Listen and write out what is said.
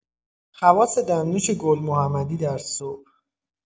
خواص دمنوش گل‌محمدی در صبح!